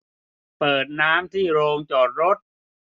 เปิดน้ำที่โรงจอดรถ